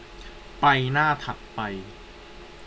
ไปหน้าถัดไป